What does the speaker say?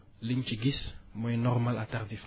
liñ ci gis mooy normal attardif